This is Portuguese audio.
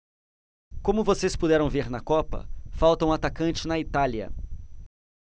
como vocês puderam ver na copa faltam atacantes na itália